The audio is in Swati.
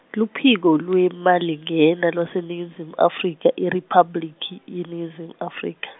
Luphiko lweMalingena lwaseNingizimu Afrika IRiphabliki yeNingizimu Afrika.